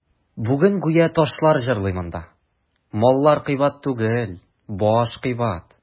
Бүген гүя ташлар җырлый монда: «Маллар кыйбат түгел, баш кыйбат».